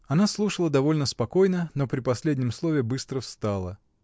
Она слушала довольно спокойно, но при последнем слове быстро встала.